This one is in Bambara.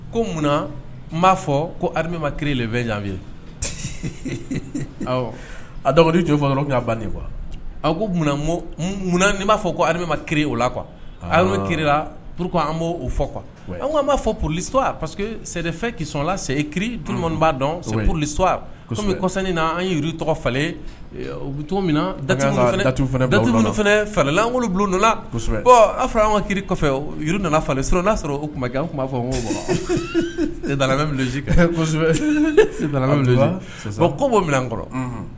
Ko munna b'a fɔ kolimama ki le a ban kuwa b'a fɔ ko ki o la qula pur an b' fɔ qu b'a fɔ p que sɔn sɛ ki b'a dɔn psɔni na an ye tɔgɔ falen bɛ cogo min nalansɛbɛ a fɔra an ma kiiriri kɔfɛ falen n'a sɔrɔ o tun kɛ an tun b'a fɔ ko minɛn kɔrɔ